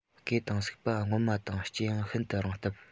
སྐེ དང སུག པ སྔོན མ དང ལྕེ ཡང ཤིན ཏུ རིང སྟབས